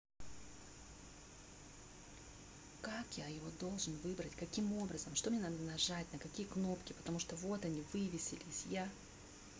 как я его должен выбрать каким образом что мне надо нажать на какие кнопки потому что вот они вывесились я